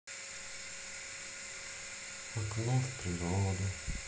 окно в природу